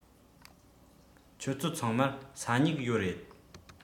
ཁྱོད ཚོ ཚང མར ས སྨྱུག ཡོད རེད